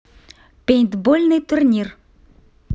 пейнтбольный турнир